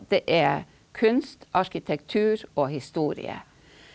det er kunst, arkitektur og historie.